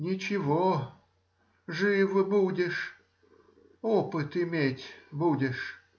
Ничего — жив будешь, опыт иметь будешь.